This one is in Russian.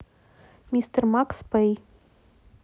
мистер макс пэй